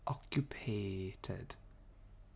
Occupated.